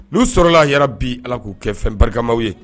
N'u sɔrɔlala yɛrɛ bi ala k'u kɛ fɛn barikama ye